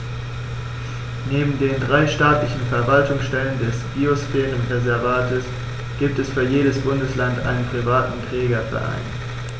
Neben den drei staatlichen Verwaltungsstellen des Biosphärenreservates gibt es für jedes Bundesland einen privaten Trägerverein.